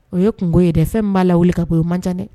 O ye kun ye dɛ fɛn b'a la wuli ka bɔɲuman ca dɛ